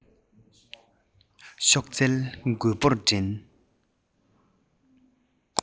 གཤོག རྩལ རྒོད པོར འགྲན